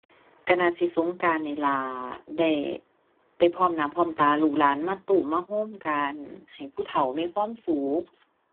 ก็น่าสิสงกรานต์นี่ล่ะ ได้ไปพร้อมหน้าพร้อมตา ลูกหลานมาตุ้ม มาโฮมกัน ให้ผู้เฒ่ามีความสุข